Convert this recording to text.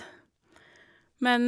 Men...